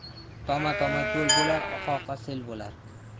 toma toma ko'l bo'lar oqa oqa sel bo'lar